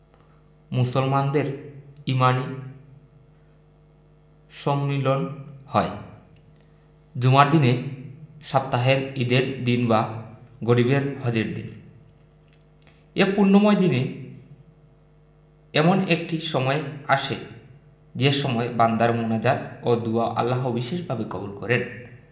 মুসলমানদের ইমানি সম্মিলন হয় জুমার দিনে সপ্তাহের ঈদের দিন বা গরিবের হজের দিন এ পুণ্যময় দিনে এমন একটি সময় আসে যে সময় বান্দার মোনাজাত ও দোয়া আল্লাহ বিশেষভাবে কবুল করেন